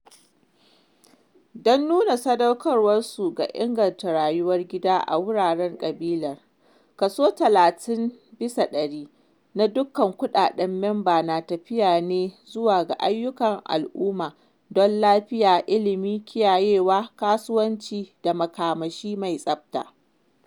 Don nuna sadaukarwarsu ga inganta rayuwar gida a wuraren "kabilar," 30% na duk kuɗaɗen memba na tafiya ne zuwa ayyukan al'umma don lafiya, ilimi, kiyayewa, kasuwanci da makamashi mai tsafta.